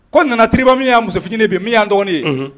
Ko nana tiba min y'a muso finiɲiniinin bɛ min yyan dɔɔnin ye